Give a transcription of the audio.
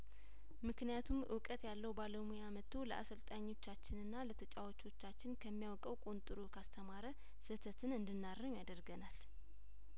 ምክንያቱም እውቀት ያለው ባለሙያ መጥቶ ለአሰልጣኞቻችንና ለተጫዋቾቻችን ከሚያውቀው ቆንጥሮ ካስተማረ ስህተትን እንድናርም ያደርገናል